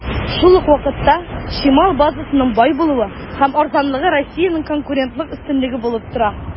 Шул ук вакытта, чимал базасының бай булуы һәм арзанлыгы Россиянең конкурентлык өстенлеге булып тора.